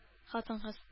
Хатын-кыз